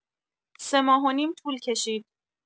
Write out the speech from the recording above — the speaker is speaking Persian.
۳ ماه و نیم طول کشید.